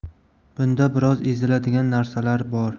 bunda biroz eziladigan narsalar bor